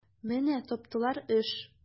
Менә таптылар эш!